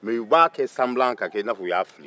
mɛ u b'a kɛ sanbilan k'a kɛ i n'a fɔ u y'a fili